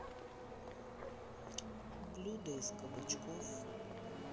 блюда из кабачков